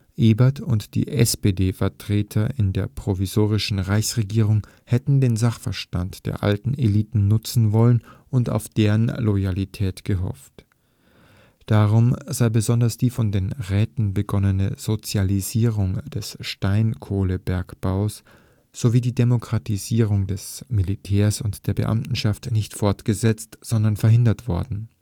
Ebert und die SPD-Vertreter in der provisorischen Reichsregierung hätten den Sachverstand der alten Eliten nutzen wollen und auf deren Loyalität gehofft. Darum sei besonders die von den Räten begonnene Sozialisierung des Steinkohlenbergbaus sowie die Demokratisierung des Militärs und der Beamtenschaft nicht fortgesetzt, sondern verhindert worden